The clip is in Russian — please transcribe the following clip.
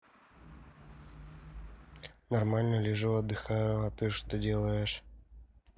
нормально лежу отдыхаю а ты что делаешь